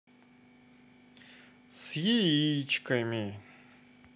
с яичками